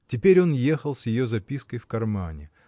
Теперь он ехал с ее запиской в кармане.